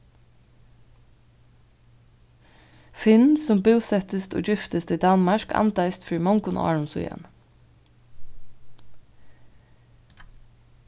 finn sum búsettist og giftist í danmark andaðist fyri mongum árum síðani